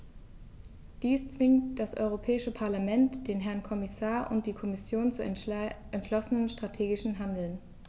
Dies zwingt das Europäische Parlament, den Herrn Kommissar und die Kommission zu entschlossenem strategischen Handeln.